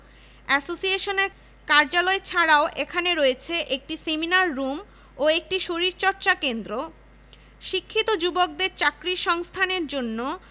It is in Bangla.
সেই লক্ষ্যে ১৯৬১ সালে একজন পরিচালকের দায়িত্বে ছাত্রবিষয়ক বিভাগ খোলা হয় পরবর্তীকালে ১৯৬৬ সালে আলাদা ভবন নির্মাণ করা হলে